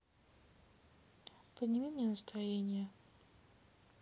подними мне настроение